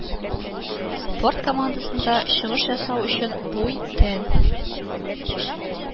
Спорт командасында чыгыш ясау өчен буй, тән